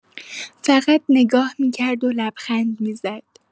فقط نگاه می‌کرد و لبخند می‌زد.